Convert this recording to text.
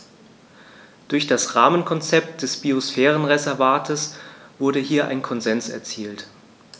Durch das Rahmenkonzept des Biosphärenreservates wurde hier ein Konsens erzielt.